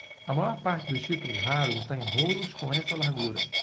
a maior parte dos títulos raros está em rolos com essa largura